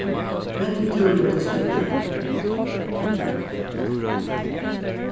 langur túrur er til skúvoyar